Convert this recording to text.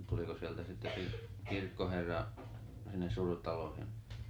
tuliko sieltä sitten - kirkkoherra sinne surutaloihin